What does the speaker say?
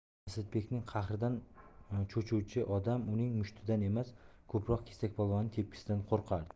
asadbekning qahridan cho'chuvchi odam uning mushtidan emas ko'proq kesakpolvonning tepkisidan qo'rqardi